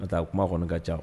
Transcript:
Ka taa kuma kɔni ka ca